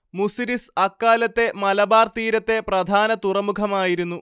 മുസിരിസ് അക്കാലത്ത് മലബാർ തീരത്തെ പ്രധാന തുറമുഖമായിരുന്നു